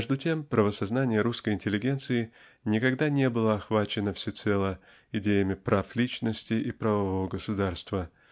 между тем правосознание русской интеллигенции никогда не было охвачено всецело идеями прав личности и правового государства